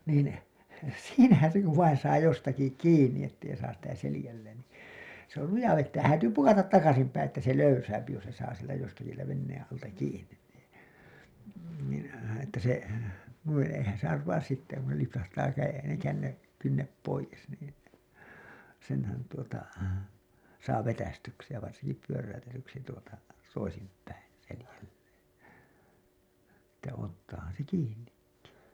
niin siinähän se kun vain saa jostakin kiinni että ei saa sitä selälleen niin se oli luja vetämään häätyy pukata takaisin päin että se löysää jos se saa sieltä jostakin sieltä veneen alta kiinni niin niin että se noin eihän se arvaa sitten kun se lipsahtaa -- kynnet pois niin senhän tuota saa vetäistyksi ja varsinkin pyöräytetyksi tuota toisinpäin selälleen että ottaahan se kiinnikin